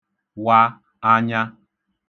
wa anya